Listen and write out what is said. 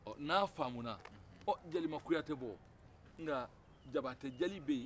ɔ n'a faamu na ɔ jelimakuyatɛɔ nka jabatɛ jeli bɛ yen